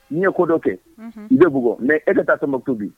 N ye ko dɔ kɛ n bɛ bug mɛ e ka taa tomɔ tubi